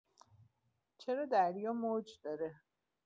چرا دریا موج داره؟